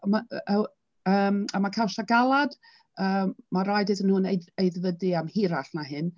Mae yy yym a mae cawsiau galed, yym mae'n raid iddyn nhw wneud aedd- aeddfedu am hirach na hyn.